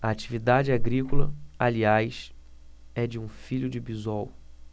a atividade agrícola aliás é de um filho de bisol